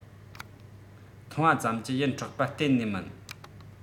མཐོང བ ཙམ གྱིས ཡིད འཕྲོག པ གཏན ནས མིན